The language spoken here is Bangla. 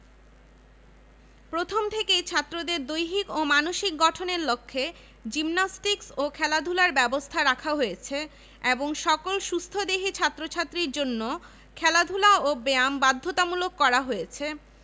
প্রথম থেকেই ছাত্রদের দৈহিক ও মানসিক গঠনের লক্ষ্যে জিমনাস্টিকস ও খেলাধুলার ব্যবস্থা রাখা হয়েছে এবং সকল সুস্থদেহী ছাত্র ছাত্রীর জন্য খেলাধুলা ও ব্যায়াম বাধ্যতামূলক করা হয়েছে